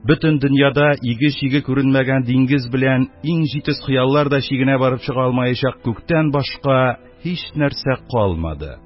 Бөтен дөньяда иге-чиге күренмәгән диңгез белән иң җитез хыяллар да чигенә барып чыга алмаячак күктән башка һичнәрсә калмады.